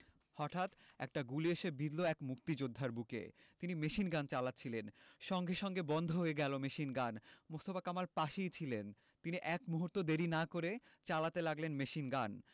হতাৎ একটা গুলি এসে বিঁধল এক মুক্তিযোদ্ধার বুকে তিনি মেশিনগান চালাচ্ছিলেন সঙ্গে সঙ্গে বন্ধ হয়ে গেল মেশিনগান মোস্তফা কামাল পাশেই ছিলেন তিনি এক মুহূর্তও দেরি না করে চালাতে লাগলেন মেশিনগান